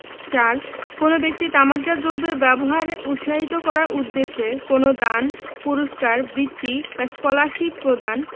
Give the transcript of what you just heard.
৪ কোন ব্যক্তি তামাকজাত দ্রব্যের ব্যবহার উৎসাহিত করার উদ্দেশ্যে কোন দান পুরস্কার বৃদ্তি বা স্কলারশীপ প্রদান